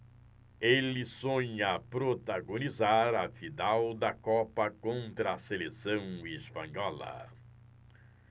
ele sonha protagonizar a final da copa contra a seleção espanhola